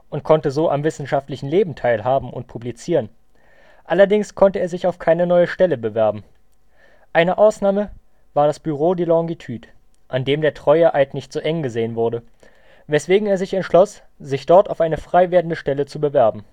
und konnte so am wissenschaftlichen Leben teilhaben und publizieren, allerdings konnte er sich auf keine neue Stelle bewerben. Eine Ausnahme war das Bureau des Longitudes, in dem der Treueeid nicht so eng gesehen wurde, weswegen er sich entschloss, sich dort auf eine freiwerdende Stelle zu bewerben